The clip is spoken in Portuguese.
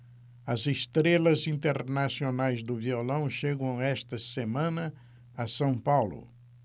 as estrelas internacionais do violão chegam esta semana a são paulo